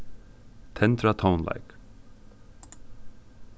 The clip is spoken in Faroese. tendra tónleik